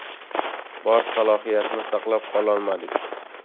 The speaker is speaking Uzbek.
bor salohiyatni saqlab qololmadik